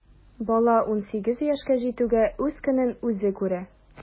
Бала унсигез яшькә җитүгә үз көнен үзе күрә.